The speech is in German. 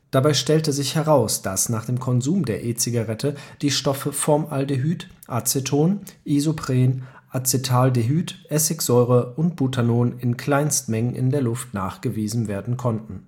Dabei stellte sich heraus, dass nach dem Konsum der E-Zigarette die Stoffe Formaldehyd, Aceton, Isopren, Acetaldehyd, Essigsäure und Butanon in Kleinstmengen in der Luft nachgewiesen werden konnten